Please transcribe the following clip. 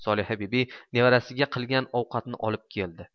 solihabibi nevarasiga qilgan ovqatni olib keldi